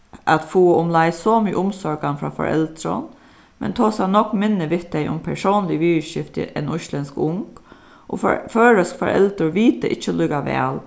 at fáa umleið somu umsorgan frá foreldrum men tosa nógv minni við tey um persónlig viðurskifti enn íslendsk ung føroysk foreldur vita ikki líka væl